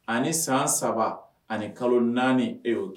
Ani san saba ani kalo naani e y'o kɛ